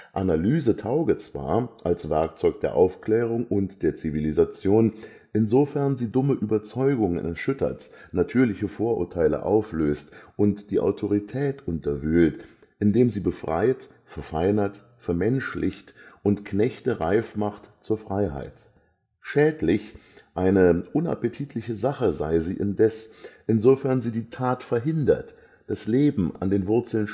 Analyse tauge zwar „ als Werkzeug der Aufklärung und der Zivilisation (…) insofern sie dumme Überzeugungen erschüttert, natürliche Vorurteile auflöst und die Autorität unterwühlt (…) indem sie befreit, verfeinert, vermenschlicht und Knechte reif macht zur Freiheit “. Schädlich, „ eine unappetitliche Sache “sei sie indes, „ insofern sie die Tat verhindert, das Leben an den Wurzeln